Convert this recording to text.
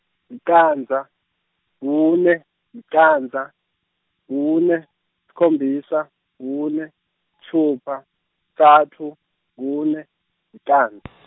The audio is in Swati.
licandza, kune, licandza, kune, sikhombisa, kune, sitfupha, kutsatfu, kune, lican- .